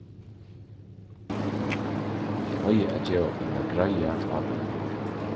tey eiga at geva okkum eina greiða ábending